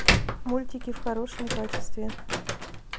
мультики в хорошем качестве